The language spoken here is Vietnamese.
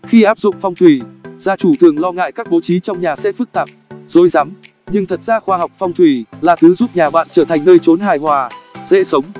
khi áp dụng phong thủy gia chủ thường lo ngại các bố trí trong nhà sẽ phức tạp rối rắm nhưng thật ra khoa học phong thủy là thứ giúp nhà bạn trở thành nơi chốn hài hòa dễ sống